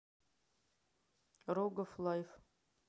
рогов лайв